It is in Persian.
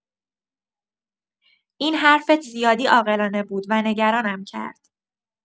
این حرفت زیادی عاقلانه بود و نگرانم کرد.